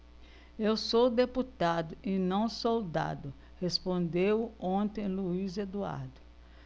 eu sou deputado e não soldado respondeu ontem luís eduardo